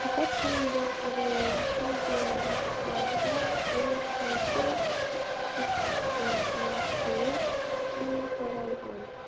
Татар телендә, аеруча диалектларда, г-х-к чиратлашуы киң таралган.